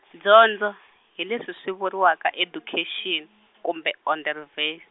dyondzo, hi leswi swi vuriwaka education, kumbe onderwys.